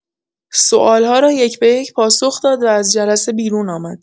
سوال‌ها را یک به یک پاسخ داد و از جلسه بیرون آمد.